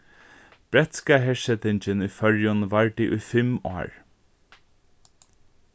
bretska hersetingin í føroyum vardi í fimm ár